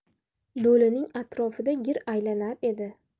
lo'lining atrofida gir aylanar edi